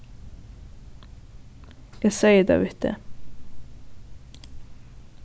eg segði tað við teg